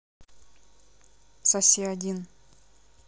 соси один